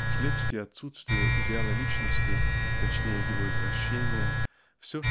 Вследствие отсутствия идеала личности (точнее его извращения) все